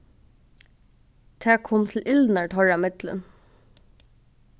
tað kom til ilnar teirra millum